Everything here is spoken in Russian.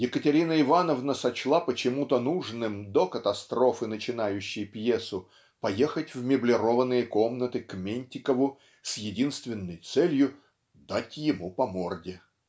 Екатерина Ивановна сочла почему-то нужным, до катастрофы, начинающей пьесу, поехать в меблированные комнаты к Ментикову с единственной целью "дать ему по морде"